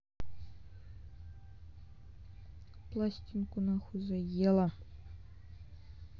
пластинку нахуй заела